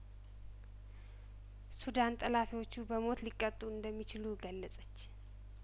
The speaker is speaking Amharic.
ሱዳን ጠላፊዎቹ በሞት ሊቀጡ እንደሚችሉ ገለጸች